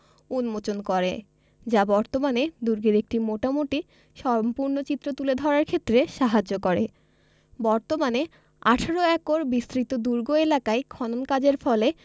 উন্মোচন করে যা বর্তমানে দুর্গের একটি মোটামুটি সম্পূর্ণ চিত্র তুলে ধরার ক্ষেত্রে সাহায্য করে বর্তমানে ১৮ একর বিস্তৃত দুর্গ এলাকায় খনন কাজের ফলে